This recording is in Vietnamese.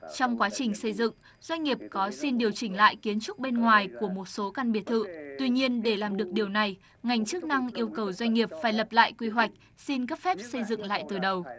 trong quá trình xây dựng doanh nghiệp có xin điều chỉnh lại kiến trúc bên ngoài của một số căn biệt thự tuy nhiên để làm được điều này ngành chức năng yêu cầu doanh nghiệp phải lập lại quy hoạch xin cấp phép xây dựng lại từ đầu